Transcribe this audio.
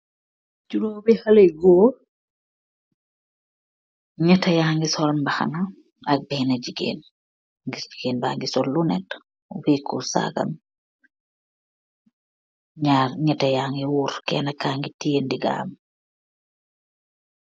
Juromi haleh yuu goor, nyehta yageih sol mbahana ak behna jigeen kehna ki mugeig tokk